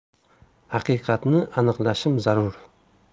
haqiqatni aniqlashim zarur